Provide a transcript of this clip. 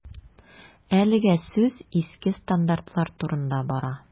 Әлегә сүз иске стандартлар турында бара.